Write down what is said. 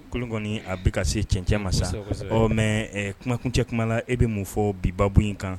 Kolon kɔni a bɛ ka se cɛncɛ ma sa ɔ mɛ kumakun cɛ kuma la e bɛ mun fɔ bibabugu in kan